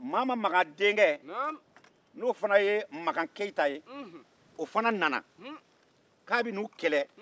mama magan denkɛ n'o fana ye magan keyita ye o fana nana ko a bɛ n'u kɛlɛ